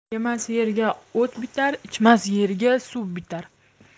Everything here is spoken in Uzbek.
yemas yerga o't bitar ichmas yerga suv bitar